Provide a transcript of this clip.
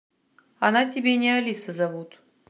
она тебе не алиса зовут